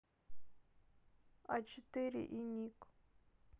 а четыре и ник